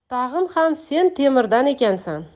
tag'in ham sen temirdan ekansan